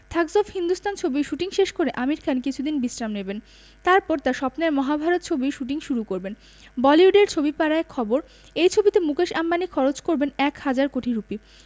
Thugs of Hindostan ছবির shooting শেষ করে আমির খান কিছুদিন বিশ্রাম নেবেন তারপর তাঁর স্বপ্নের মহাভারত ছবির শুটিং শুরু করবেন বলিউডের ছবিপাড়ায় খবর এই ছবিতে মুকেশ আম্বানি খরচ করবেন এক হাজার কোটি রুপি